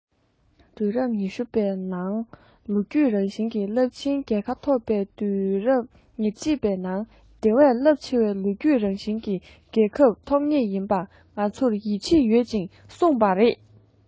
དུས རབས ཉི ཤུ བའི ནང ལོ རྒྱུས རང བཞིན གྱི རླབས ཆེན རྒྱལ ཁ ཐོབ པའི དུས རབས ཉེར གཅིག པའི ནང དེ བས རླབས ཆེ བའི ལོ རྒྱུས རང བཞིན གྱི རྒྱལ ཁབ ཐོབ ངེས ཡིན པ ང ཚོར ཡིད ཆེས ཡོད ཅེས གསུངས པ རེད